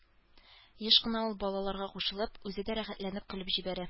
Еш кына ул, балаларга кушылып, үзе дә рәхәтләнеп көлеп җибәрә.